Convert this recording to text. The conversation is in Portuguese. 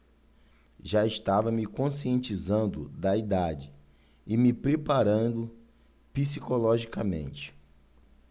já estava me conscientizando da idade e me preparando psicologicamente